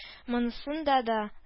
Монсында да